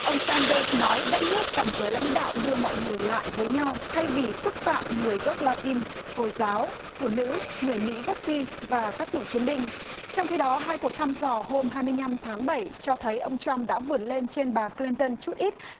ông xan đơ nói đất nước cần giới lãnh đạo đưa mọi người lại với nhau thay vì xúc phạm người gốc la tin hồi giáo phụ nữ người mỹ gốc phi và các cựu chiến binh trong khi đó hai cuộc thăm dò hôm hai mươi nhăm tháng bảy cho thấy ông trăm đã vượt lên trên bà cờ lin tơn chút ít